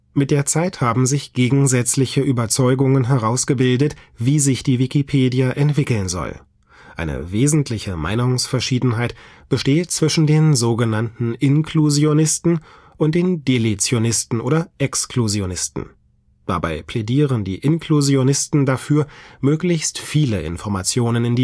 Mit der Zeit haben sich gegensätzliche Überzeugungen herausgebildet, wie sich die Wikipedia entwickeln soll. Eine wesentliche Meinungsverschiedenheit besteht zwischen den sogenannten „ Inklusionisten “und den „ Deletionisten “oder „ Exklusionisten “. Dabei plädieren die Inklusionisten dafür, möglichst viele Informationen